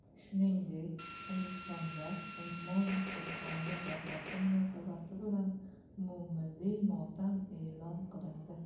shuningdek hindistonda ummon sultoni vafoti munosabati bilan umummilliy motam e'lon qilindi